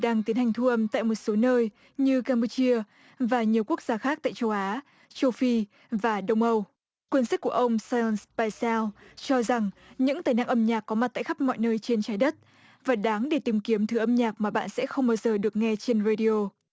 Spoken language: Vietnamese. đang tiến hành thu âm tại một số nơi như cam pu chia và nhiều quốc gia khác tại châu á châu phi và đông âu quyển sách của ông son bai seo cho rằng những tài năng âm nhạc có mặt tại khắp mọi nơi trên trái đất và đáng để tìm kiếm thứ âm nhạc mà bạn sẽ không bao giờ được nghe trên rây đi ô